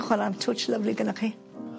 Chwara am twtsh lyfli gynnoch chi.